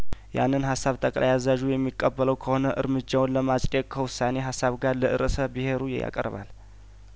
ያንን ሀሳብ ጠቅላይ አዛዡ የሚቀበለው ከሆነ እርምጃውን ለማጽደቅ ከውሳኔ ሀሳብ ጋር ለርእሰ ብሄሩ ያቀርባል